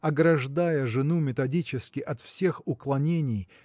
ограждая жену методически от всех уклонений